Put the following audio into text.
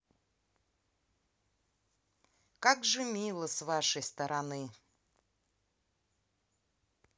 как же это мило с вашей стороны